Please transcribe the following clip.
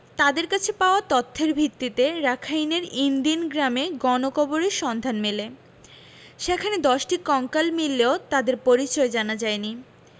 তাঁদের কাছে পাওয়া তথ্যের ভিত্তিতে রাখাইনের ইন দিন গ্রামে গণকবরের সন্ধান মেলে সেখানে ১০টি কঙ্কাল মিললেও তাদের পরিচয় জানা যায়নি